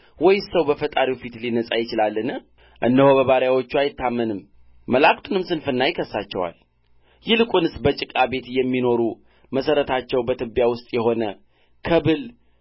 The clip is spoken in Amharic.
ወይስ ሰው በፈጣሪው ፊት ሊነጻ ይችላልን እነሆ በባሪያዎቹ አይታመንም መላእክቱንም ስንፍና ይከስሳቸዋል ይልቁንስ በጭቃ ቤት የሚኖሩ መሠረታቸው በትቢያ ውስጥ የሆነ ከብል